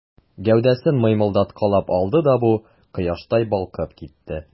Гәүдәсен мыймылдаткалап алды да бу, кояштай балкып китте.